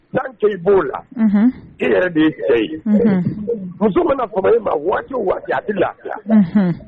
Da to b'o la e yɛrɛ de seyi muso' ko e ma waati waati a tɛ lafiya